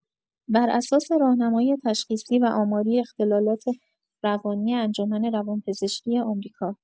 بر اساس راهنمای تشخیصی و آماری اختلالات روانی انجمن روان‌پزشکی آمریکا